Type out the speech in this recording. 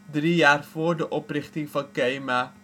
drie jaar vóór de oprichting van KEMA